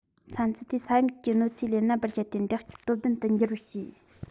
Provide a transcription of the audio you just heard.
ཚན རྩལ དེ ས ཡོམ གྱི གནོད འཚེ ལས རྣམ པར རྒྱལ བའི འདེགས སྐྱོར སྟོབས ལྡན དུ འགྱུར བར བྱས